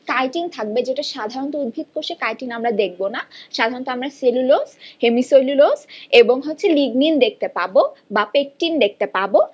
chitin থাকবে সাধারণত উদ্ভিদ কোষে কাইটিন আমরা দেখব না সাধারণত আমরা সেলুলোজ হেমিসেলুলোজ এবং হচ্ছে লিগনিন দেখতে পাবো বা পেকটিন দেখতে পাবো